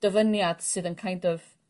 dyfyniad sydd yn kind of